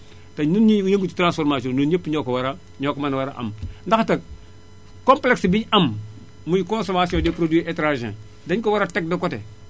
te ñuy ñii yëngatu si transformation ñun ñépp ñoo ko war a ñoo ko mën a war a am ndax tag complexe bi ñu am muy consommation des produits étrangers dañu ko war a teg de côté